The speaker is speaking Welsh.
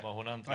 O ma' hwnna'n...